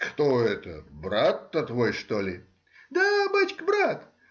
— Кто это: брат-то твой, что ли? — Да, бачка, брат.